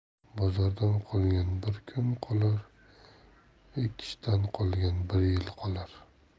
bozordan qolgan bir kun qolar ekishdan qolgan bir yil qolar